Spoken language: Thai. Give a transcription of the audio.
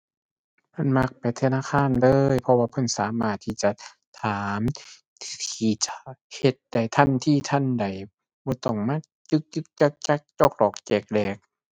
เพิ่นมักไปธนาคารเลย เพราะว่าเพิ่นสามารถที่จะถาม ที่จะเฮ็ดได้ทันทีทันใด บ่ต้องมาจึ๊กจึ๊กจั๊กจั๊ก จอกหลอกแจกแหลก